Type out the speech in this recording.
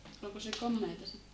olko se komeata sitten